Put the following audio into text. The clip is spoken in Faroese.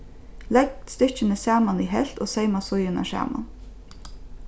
legg stykkini saman í helvt og seyma síðurnar saman